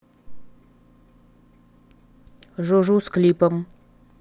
жужу с клипом